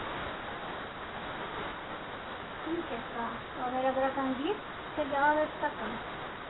Ի՞նչ է սա, վավերագրական գի՞րք, թե՞ գեղարվեստական։